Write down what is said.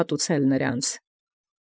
Հատուցանել հայցե։